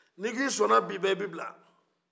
ni ko i sɔnna bi bɛ i bi bila